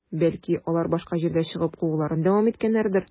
Бәлки, алар башка җирдә чыгып, кууларын дәвам иткәннәрдер?